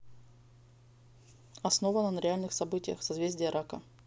основано на реальных событиях созвездие рака